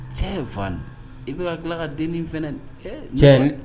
Cɛ in fa i bɛ ka tila ka den fana cɛ